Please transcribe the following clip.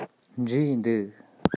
འབྲས འདུག